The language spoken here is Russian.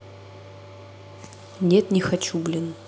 нет не хочу блин